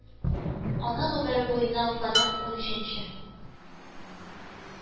Аны, гомере буена Уфаның унөченче